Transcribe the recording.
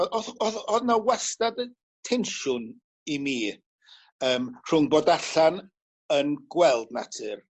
o- od odd odd 'na wastad y tensiwn i mi yym rhwng bod allan yn gweld natur